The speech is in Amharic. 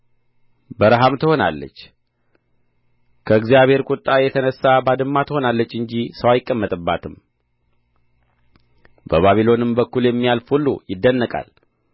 በረሀም ትሆናለች ከእግዚአብሔር ቍጣ የተነሣ ባድማ ትሆናለች እንጂ ሰው አይቀመጥባትም በባቢሎንም በኩል የሚያልፍ ሁሉ ይደነቃል